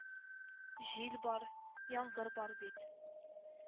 Җил бар, яңгыр бар бит